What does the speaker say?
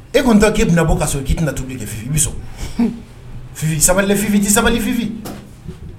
E kɔnitɔ k'i tɛna bɔ ka so k'i tɛna na tu bɛ kɛ i bɛ so sabali fifin ji sabali fifin